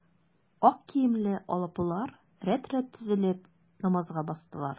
Ак киемле алыплар рәт-рәт тезелеп, намазга бастылар.